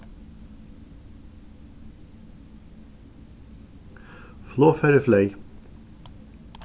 flogfarið fleyg